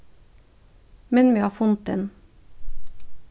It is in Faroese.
minn meg á fundin